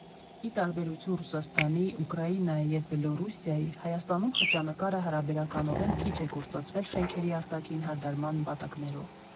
Ի տարբերություն Ռուսաստանի, Ուկրաինայի և Բելոռուսիայի՝ Հայաստանում խճանկարը հարաբերականորեն քիչ է գործածվել շենքերի արտաքին հարդարման նպատակներով։